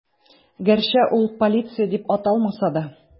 Гәрчә ул полиция дип аталмаса да.